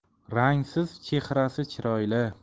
rangsiz chehrasi chiroyli